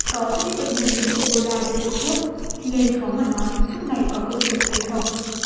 có rất ít bệnh nhân nhiễm ê bô la nhận được thuốc nên khó mà nói thuốc này có công hiệu hay không